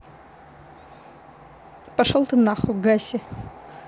пошел ты нахуй гаси